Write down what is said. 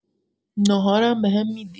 ناهارم بهم می‌دی؟